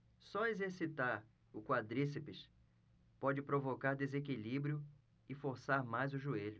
só exercitar o quadríceps pode provocar desequilíbrio e forçar mais o joelho